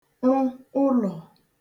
rụ ụlọ̀